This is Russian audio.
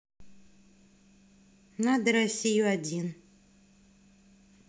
надо россию один